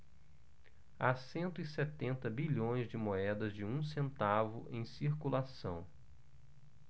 há cento e setenta bilhões de moedas de um centavo em circulação